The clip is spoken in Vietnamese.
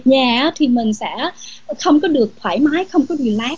nhà á thì mình sẽ không có được thoải mái không có rì lách